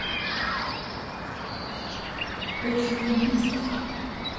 опять самоубийц